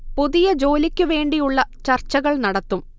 പുതിയ ജോലിക്ക് വേണ്ടി ഉള്ള ചർച്ചകൾ നടത്തും